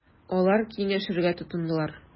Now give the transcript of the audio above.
Алар киңәшергә тотындылар.